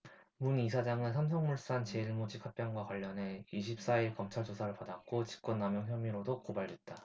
문 이사장은 삼성물산 제일모직 합병과 관련해 이십 사 일 검찰 조사를 받았고 직권남용 혐의로도 고발됐다